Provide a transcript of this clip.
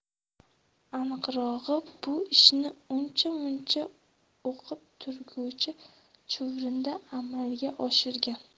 aniqrog'i bu ishni uncha muncha o'qib turguchi chuvrindi amalga oshirgan